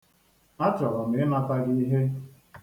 Achọrọ m ịnata gị ihe.